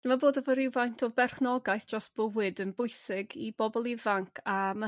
Dwi me'wl bod efo rywfaint o berchnogaeth dros bywyd yn bwysig i bobol ifanc a ma'